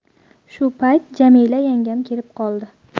shu payt jamila yangam kelib qoldi